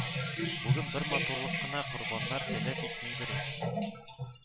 Бүген бер матурлык кына корбаннар таләп итмидер ул